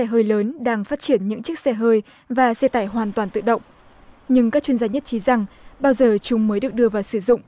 hơi lớn đang phát triển những chiếc xe hơi và xe tải hoàn toàn tự động nhưng các chuyên gia nhất trí rằng bao giờ chúng mới được đưa vào sử dụng